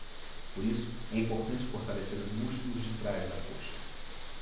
por isso é importante fortalecer os músculos de trás da coxa